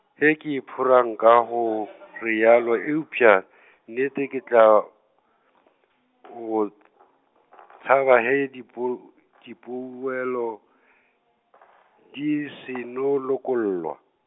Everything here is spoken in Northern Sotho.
ge ke iphora nka go re bjalo eupša, nnete ke tla , go tšhaba ge dipu- , dipoelo , di seno lokollwa.